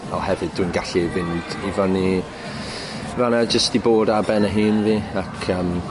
fel hefyd dwi'n gallu fynd i fynny fyna jyst i bod ar 'y hun fi ac yym